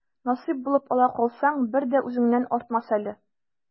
Насыйп булып ала калсаң, бер дә үзеңнән артмас әле.